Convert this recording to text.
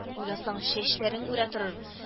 Уйласаң чәчләрең үрә торыр